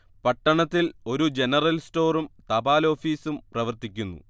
പട്ടണത്തിൽ ഒരു ജനറൽ സ്റ്റോറും തപാലോഫീസും പ്രവർത്തിക്കുന്നു